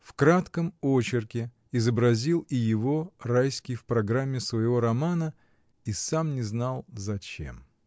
В кратком очерке изобразил и его Райский в программе своего романа, и сам не знал — зачем.